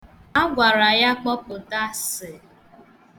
A gwara ya kpọpụta 's'